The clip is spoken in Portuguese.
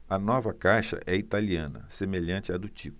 a nova caixa é italiana semelhante à do tipo